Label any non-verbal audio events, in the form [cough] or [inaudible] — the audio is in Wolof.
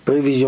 [hesitation]